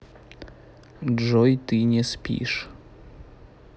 джой ты не спишь